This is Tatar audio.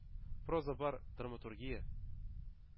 Проза бар, драматургия...